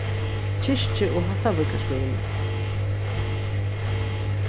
kirkju og hattarvíkar skúli